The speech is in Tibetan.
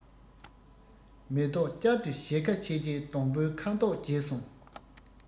མེ ཏོག བསྐྱར དུ ཞལ ཁ ཕྱེ རྗེས སྡོང ལོའི ཁ དོག བརྗེས སོང